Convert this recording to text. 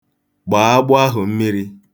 Gbaa agbụ ahụ mmiri.